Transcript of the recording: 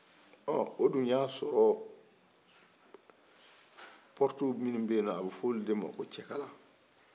ɔɔɔ u dun y'a sɔrɔ porte minnu bɛ yen a bi fo olu de ma ko cɛ kala